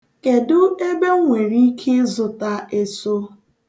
Kedụ ebe m nwere ike ịzụta eso?